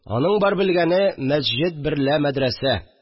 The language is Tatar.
Аның бар белгәне – мәсҗет берлә мәдрәсә